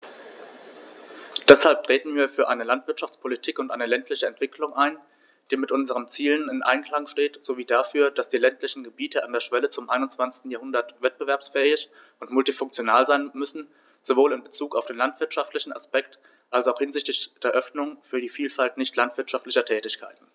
Deshalb treten wir für eine Landwirtschaftspolitik und eine ländliche Entwicklung ein, die mit unseren Zielen im Einklang steht, sowie dafür, dass die ländlichen Gebiete an der Schwelle zum 21. Jahrhundert wettbewerbsfähig und multifunktional sein müssen, sowohl in bezug auf den landwirtschaftlichen Aspekt als auch hinsichtlich der Öffnung für die Vielfalt nicht landwirtschaftlicher Tätigkeiten.